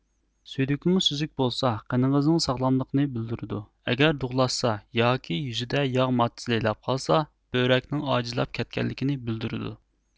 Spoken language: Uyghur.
سۈيدۈكىڭىز سۈزۈك بولسا قېنىڭىزنىڭ ساغلاملىقنى بىلدۈرىدۇ ئەگەر دۇغلاشسا ياكى يۈزىدە ياغ ماددىسى لەيلەپ قالسا بۆرەكنىڭ ئاجىزلاپ كەتكەنلىكىنى بىلدۈرىدۇ